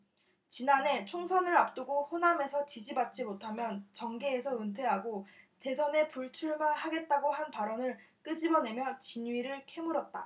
지난해 총선을 앞두고 호남에서 지지받지 못하면 정계에서 은퇴하고 대선에 불출마하겠다고 한 발언을 끄집어내며 진위를 캐물었다